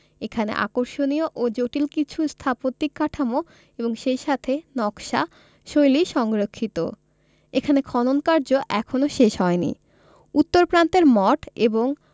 এখানে আকর্ষণীয় ও জটিল কিছু স্থাপত্যিক কাঠামো এবং সেই সাথে নকশা শৈলী সংরক্ষিত এখানে খননকার্য এখনও শেষ হয়নি উত্তর প্রান্তের মঠ এবং